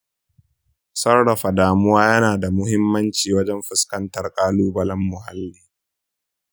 sarrafa damuwa yana da muhimmanci wajen fuskantar ƙalubalen muhalli